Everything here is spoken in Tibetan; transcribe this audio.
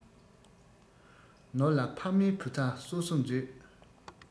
ནོར ལ ཕ མས བུ ཚ གསོ གསོ མཛོད